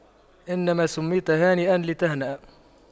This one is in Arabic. إنما سُمِّيتَ هانئاً لتهنأ